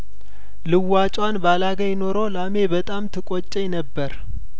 ልዋጯን ባላገኝ ኖሮ ላሜ በጣምት ቆጨኝ ነበር